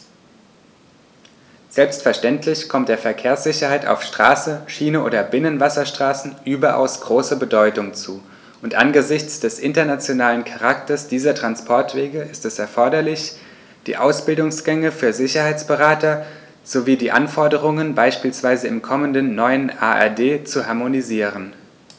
Selbstverständlich kommt der Verkehrssicherheit auf Straße, Schiene oder Binnenwasserstraßen überaus große Bedeutung zu, und angesichts des internationalen Charakters dieser Transporte ist es erforderlich, die Ausbildungsgänge für Sicherheitsberater sowie die Anforderungen beispielsweise im kommenden neuen ADR zu harmonisieren.